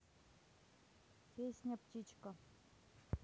песня птичка